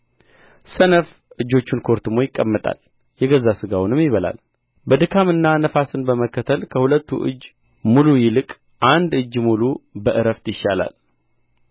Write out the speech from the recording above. ሰነፍ እጆቹን ኮርትሞ ይቀመጣል የገዛ ሥጋውንም ይበላል በድካምና ነፋስን በመከተል ከሁለት እጅ ሙሉ ይልቅ አንድ እጅ ሙሉ በዕረፍት ይሻላል